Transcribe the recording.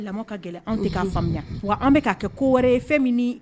Lamɔn ka gɛlɛ an tɛ k'a faamuya, wa an bɛ k'a kɛ ko wɛrɛ de ye fɛn min